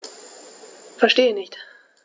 Verstehe nicht.